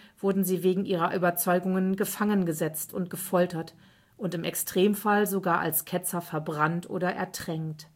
wurden sie wegen ihrer Überzeugungen gefangen gesetzt und gefoltert und im Extremfall sogar als Ketzer verbrannt oder ertränkt